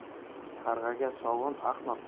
qarg'aga sovun ahmoqqa